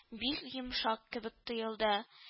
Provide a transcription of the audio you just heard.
Бик йомшак кебек тоелды